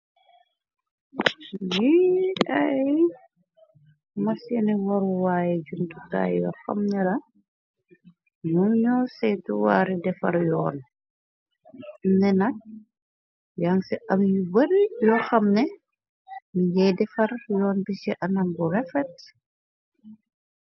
Mi ay mar seeni waruwaaye juntukaay yoo xamne ra ño ñoo seetu waari defar yoon ne nak yan ci am yu bare yoo xamne minjay defar yoon bi ci anam bu refet.